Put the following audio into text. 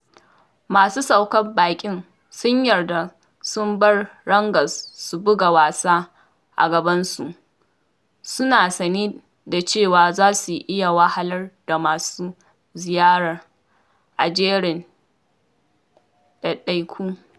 Masu saukan baƙin sun yarda su bar Rangers su buga wasa a gabansu, suna sane da cewa za su iya wahalar da masu ziyarar a jerin ɗaiɗaiku.